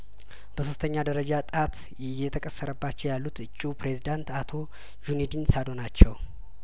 በሶስተኛ ደረጃ ጣት እየተቀሰረባቸው ያሉት እጩ ፕሬዝዳንት አቶ ጁነዲን ሳዶ ናቸው